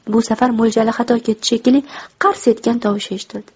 bu safar mo'ljali xato ketdi shekilli qars etgan tovush eshitildi